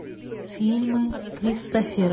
фильмы кристофера